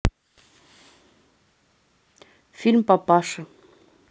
фильм папаши